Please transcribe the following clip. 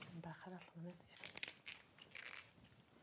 Tipyn bach arall myna. Diolch